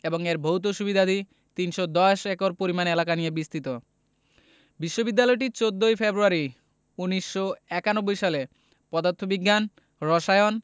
এবং এর ভৌত সুবিধাদি ৩১০ একর পরিমাণ এলাকা নিয়ে বিস্তৃত বিশ্ববিদ্যালয়টি ১৪ ফেব্রুয়ারি ১৯৯১ সালে পদার্থ বিজ্ঞান রসায়ন